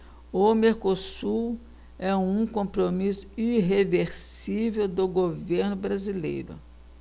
o mercosul é um compromisso irreversível do governo brasileiro